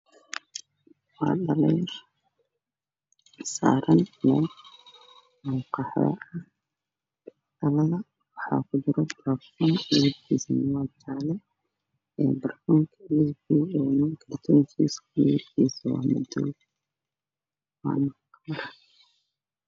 Waa meel lagu xayisiiyo wax yaabaha cusub